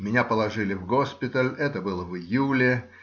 Меня положили в госпиталь; это было в июле.